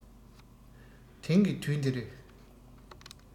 དེང གི དུས འདིར